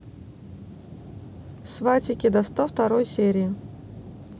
сватики до сто второй серии